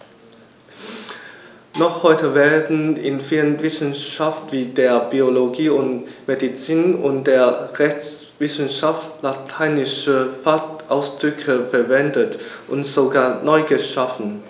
Noch heute werden in vielen Wissenschaften wie der Biologie, der Medizin und der Rechtswissenschaft lateinische Fachausdrücke verwendet und sogar neu geschaffen.